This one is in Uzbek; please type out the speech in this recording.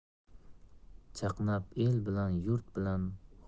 chaqnab el bilan